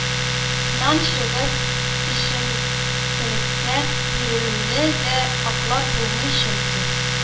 Нан чыгып, төшенкелеккә бирелүне дә аклап булмый, чөнки